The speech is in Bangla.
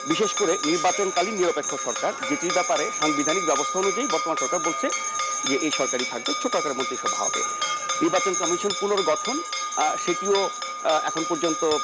বিশেষ করে নির্বাচনকালীন নিরপেক্ষ সরকার যে টির সাংবিধানিক ব্যবস্থা অনুযায়ী বর্তমান সরকার বলছে এই সরকারই থাকবে ছোট আকারে মন্ত্রিসভা হবে নির্বাচন কমিশন পুনর্গঠন সেটিও এখন পর্যন্ত